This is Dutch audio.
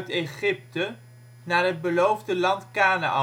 Egypte naar het Beloofde Land Kanaän